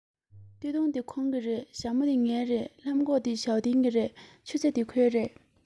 སྟོད ཐུང འདི ཁོང གི རེད ཞྭ མོ འདི ངའི རེད ལྷམ གོག འདི ཞའོ ཏིང གི རེད ཆུ ཚོད འདི ཁོའི རེད